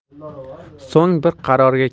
so'ng bir qarorga